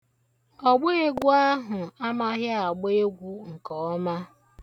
Ọgbeegwu ahụ amaghị agba egwu nke ọma.